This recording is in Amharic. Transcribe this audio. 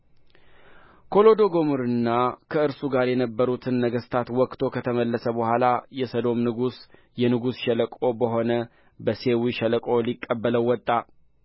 ኮሎዶጎምርንና ከእርሱ ጋር የነበሩትን ነገሥታት ወግቶ ከተመለሰ በኋላም የሰዶም ንጉሥ የንጉሥ ሸለቆ በሆነ በሴዊ ሸለቆ ሊቀበለው ወጣ